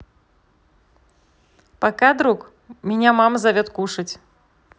пока друг меня мама зовет кушать